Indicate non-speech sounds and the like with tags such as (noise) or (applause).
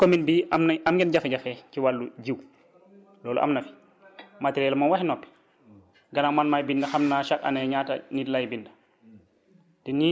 parce que commune bi am nañ am ngeen jafe-jafe ci wàllu jiw loolu am na fi matériels moom waxi noppi gannaaw man maay bind xam naa (coughs) chaque année ñaata nit laay bind